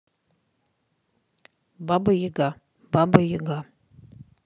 баба яга баба яга